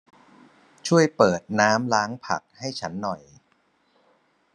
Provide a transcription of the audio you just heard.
ช่วยเปิดน้ำล้างผักให้ฉันหน่อย